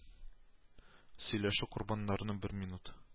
Сөйләшү корбаннарны бер минут